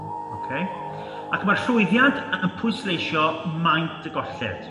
ok ac mae'r llwyddiant yn pwysleisio maint y golled